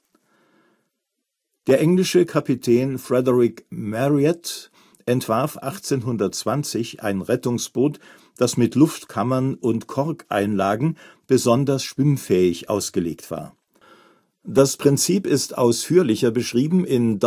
englische Kapitän Frederick Marryat entwarf 1820 ein Rettungsboot, das mit Luftkammern und Korkeinlagen besonders schwimmfähig ausgelegt war. Das Prinzip ist ausführlicher beschrieben in